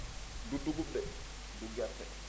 du dugub de du gerte